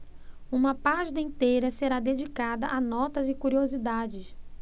uma página inteira será dedicada a notas e curiosidades